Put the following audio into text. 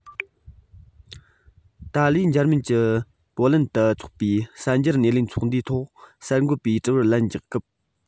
ཏཱ ལས འཇར མན གྱི པོ ལིན དུ འཚོགས པའི གསར འགྱུར སྣེ ལེན ཚོགས འདུའི ཐོག གསར འགོད པའི དྲི བར ལན རྒྱག སྐབས